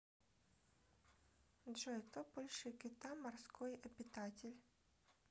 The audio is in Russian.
джой кто больше кита морской обитатель